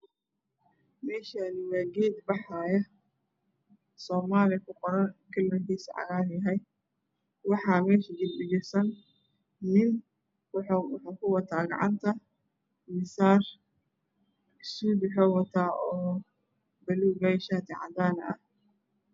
Meeshaan waa geed baxaayo soomaali kuqoran kalarkiisu cagaar yahay waxaa meesha fadhiyo nin waxuu gacanta ku wataa masaar. Suud waxuu wataa buluug ah iyo shaati cadaan ah.